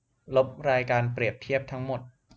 ลบรายการเปรียบเทียบทั้งหมด